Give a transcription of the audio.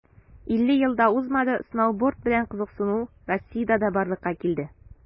50 ел да узмады, сноуборд белән кызыксыну россиядә дә барлыкка килде.